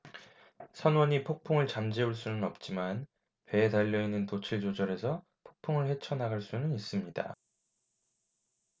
선원이 폭풍을 잠재울 수는 없지만 배에 달려 있는 돛을 조절해서 폭풍을 헤쳐 나갈 수는 있습니다